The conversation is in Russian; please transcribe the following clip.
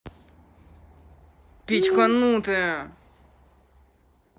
печка нутая